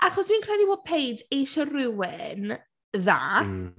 Achos fi’n credu bod Paige eisiau rhywun dda.